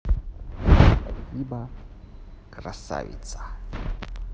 спасибо красавица